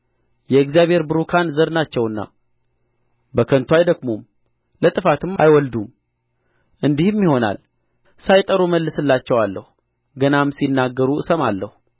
የእግዚአብሔር ቡሩካን ዘር ናቸውና በከንቱ አይደክሙም ለጥፋትም አይወልዱም እንዲህም ይሆናል ሳይጠሩ አመልስላቸዋለሁ ገናም ሲናገሩ እሰማለሁ